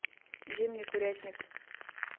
зимний курятник